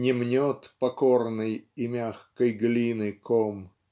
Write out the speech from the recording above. "не мнет покорной и мягкой глины ком"